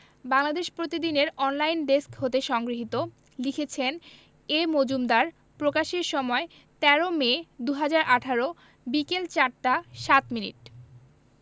বাংলাদেশ প্রতিদিন এর online desk হতে সংগৃহীত লিখেছেনঃ এ মজুমদার প্রকাশের সময় ১৩মে ২০১৮ বিকেল ৪ টা ০৭ মিনিট